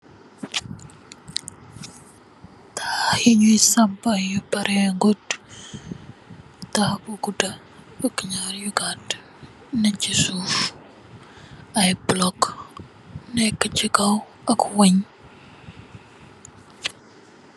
Taax yun sampa yu peregut taax bu guda ak naar yu gata neeh si suuf ay block neka si kaw ak wen.